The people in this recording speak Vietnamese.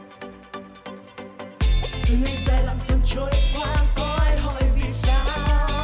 từng ngày dài lặng thầm trôi qua có ai hỏi vì sao